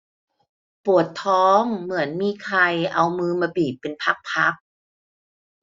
ปวดท้องเหมือนมีใครเอามือมาบีบเป็นพักพัก